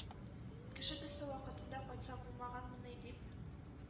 Кеше төсле вакытында кайтса булмаганмыни дип,